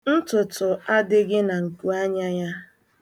Ntụtụ adịghị na nkuanya ya.